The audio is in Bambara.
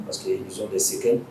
Masakɛ ye muso bɛ sɛgɛ